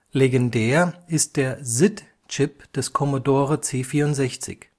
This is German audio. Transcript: Legendär ist der SID-Chip des Commodore C64